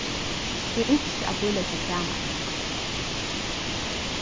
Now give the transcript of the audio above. eg ynski at bíleggja kamar